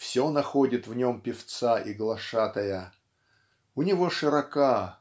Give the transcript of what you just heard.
все находит в нем певца и глашатая. У него широка